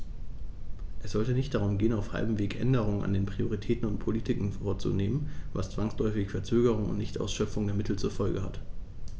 Es sollte nicht darum gehen, auf halbem Wege Änderungen an den Prioritäten und Politiken vorzunehmen, was zwangsläufig Verzögerungen und Nichtausschöpfung der Mittel zur Folge hat.